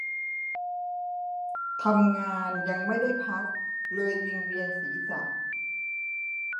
ทำงานยังไม่ได้พักเลยวิงเวียนศีรษะ